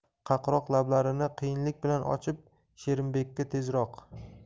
qaqroq lablarini qiyinlik bilan ochib sherimbekka tezroq